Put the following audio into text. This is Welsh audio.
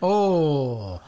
O!